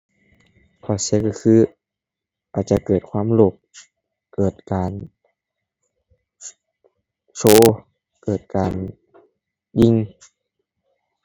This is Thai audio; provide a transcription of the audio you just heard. ข้อเสียก็คืออาจจะเกิดความโลภ เกิดการโชว์ เกิดการหยิ่ง